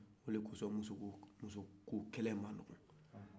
o de kɔsɔ musoko kɛlɛ ma nɔgɔ